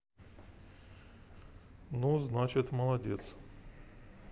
ну значит молодец